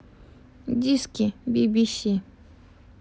диски bbs